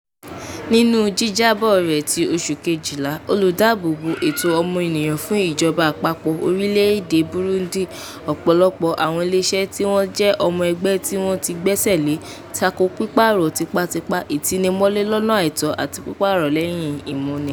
Nínú ìjábọ̀ rẹ̀ ti oṣù Kejìlá, Olùdáábòbò Ẹ̀tọ́ Ọmọnìyàn fún Ìjọba Àpapọ̀ orílẹ̀ èdè Burundi - ọ̀pọ̀lọpọ̀ àwọn ilé iṣẹ́ tí wọ́n jẹ́ ọmọ ẹgbẹ́ tí wọ́n tí gbẹ́sẹ̀ lé - tako pípòórá tipátipá, ìtinimọ́lé lọ́nà àìtó, àti pípòórá lẹ́yìn ìmúni.